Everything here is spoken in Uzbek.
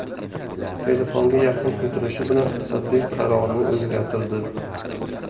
telefonga yaqin o'tirishi bilan asadbek qarorini o'zgartirdi